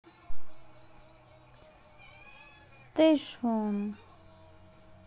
station